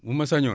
bu ma sañoon